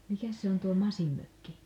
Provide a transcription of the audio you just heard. mikäs se on tuo masinmökki